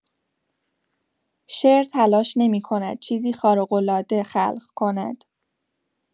شعر تلاش نمی‌کند چیزی خارق‌العاده خلق کند؛